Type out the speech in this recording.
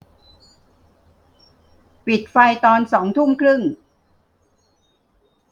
ปิดไฟตอนสองทุ่มครึ่ง